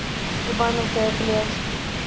ебанутая блядь